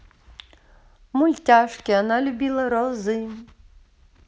мультяшки она любила розы